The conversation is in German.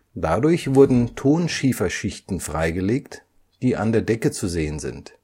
Dadurch wurden Tonschieferschichten freigelegt, die an der Decke zu sehen sind